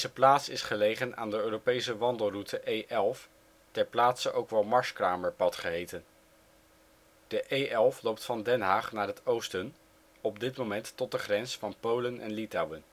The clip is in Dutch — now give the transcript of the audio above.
plaats is gelegen aan de Europese wandelroute E11, ter plaatse ook wel Marskramerpad geheten. De E11 loopt van Den Haag naar het oosten, op dit moment tot de grens Polen/Litouwen